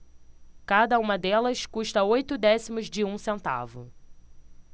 cada uma delas custa oito décimos de um centavo